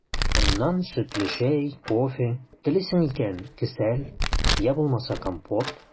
Аннан сөтле чәй, кофе, телисең икән – кесәл, йә булмаса компот.